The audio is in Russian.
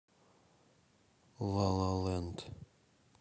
ла ла ленд